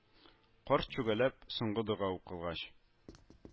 Карт чүгәләп, соңгы дога укылгач